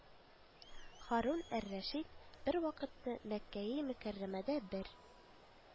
Һарун әр-Рәшит бервакытны Мәккәи Мөкәррәмәдә бер